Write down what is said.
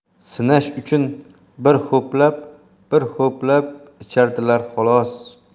sinash uchun bir ho'plam bir ho'plam ichardilar xolos